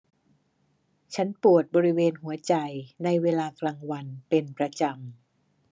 ฉันปวดบริเวณหัวใจในเวลากลางวันเป็นประจำ